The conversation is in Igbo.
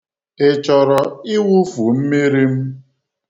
Ị chọrọ iwufu mmiri m?